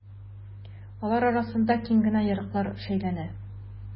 Алар арасында киң генә ярыклар шәйләнә.